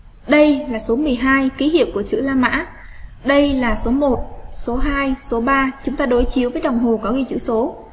đây là số ký hiệu của chữ la mã đây là số số số chúng ta cái đồng hồ có ghi chữ số